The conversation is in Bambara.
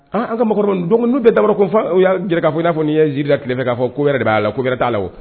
An ka maakɔrɔba ninnu donc ninnu bɛɛ dabɔra k'a fɔ ko u jɛra k'a fɔ n'i ye nsiirin da tilefɛ k'a fɔ ko wɛrɛ de b'a la ko wɛrɛ t'a la wo